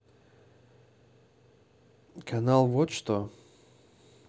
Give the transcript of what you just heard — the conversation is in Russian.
канал вот что